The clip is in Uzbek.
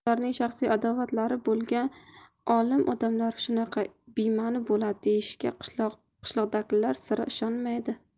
ularning shaxsiy adovatlari bo'lgan olim odamlar shunaqa bemani bo'ladi deyishsa qishloqdagilar sira ishonmaydi